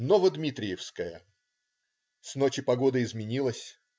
Ново-Дмитриевская С ночи погода изменилась.